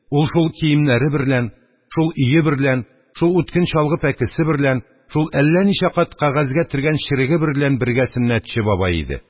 Ул шул киемнәре берлән, шул өе берлән, шул үткен чалгы пәкесе берлән, шул әллә ничә кат кәгазьгә төргән череге берлән бергә сөннәтче бабай иде.